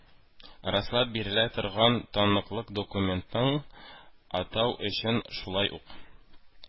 Раслап бирелә торган таныклык, документ»ны атау өчен, шулай ук,